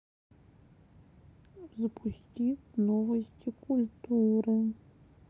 запусти новости культуры